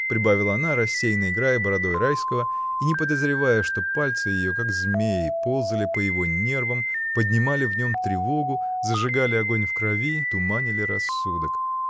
— прибавила она, рассеянно играя бородой Райского и не подозревая, что пальцы ее, как змеи, ползали по его нервам, поднимали в нем тревогу, зажигали огонь в крови, туманили рассудок.